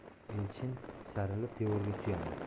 elchin tisarilib devorga suyandi